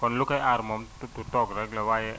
kon lu koy aar moom to toog rek la waaye